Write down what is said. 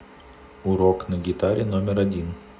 урок на гитаре номер один